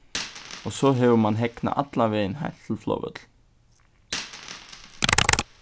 og so hevur mann hegnað allan vegin heilt til flogvøllin